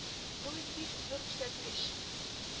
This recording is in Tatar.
Бу бит бик зур күрсәткеч